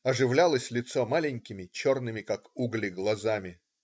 Оживлялось лицо маленькими, черными как угли глазами.